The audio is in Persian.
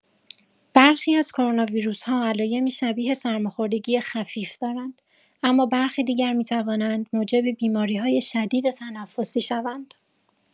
برخی از کروناویروس‌ها علایمی شبیه سرماخوردگی خفیف دارند، اما برخی دیگر می‌توانند موجب بیماری‌های شدید تنفسی شوند.